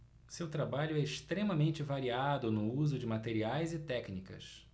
seu trabalho é extremamente variado no uso de materiais e técnicas